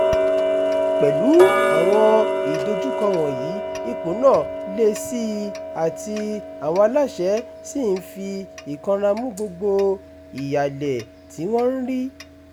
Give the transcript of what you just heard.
Pẹ̀lú àwọn ìdojúkọ wọ̀nyí, “ipò náà” le sí i, àti àwọn aláṣẹ sì ń fi ìkanra mú gbogbo ìhàlẹ̀ tí wọ́n ń rí.